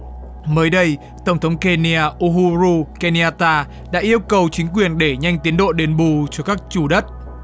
mới đây tổng thống ke ni a ô hô rô ke ni a ta đã yêu cầu chính quyền đẩy nhanh tiến độ đền bù cho các chủ đất